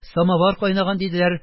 Самовар кайнаган, диделәр,